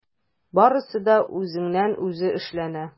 Барысы да үзеннән-үзе эшләнә.